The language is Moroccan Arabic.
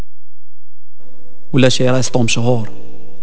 ولا شيء اسمه مشهور